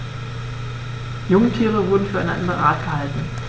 Jungtiere wurden für eine andere Art gehalten.